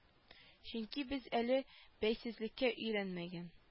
Чөнки без әле бәйсезлеккә өйрәнмәгән